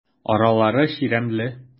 Аралары чирәмле.